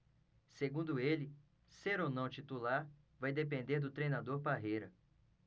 segundo ele ser ou não titular vai depender do treinador parreira